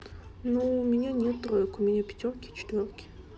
ну у меня нет троек у меня пятерки и четверки